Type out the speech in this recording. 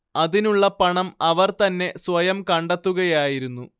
അതിനുള്ള പണം അവർ തന്നെ സ്വയം കണ്ടെത്തുകയായിരുന്നു